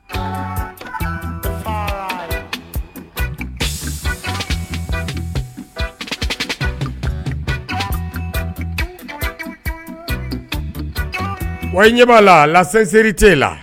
San wa ɲɛ b'a la la seri tɛ la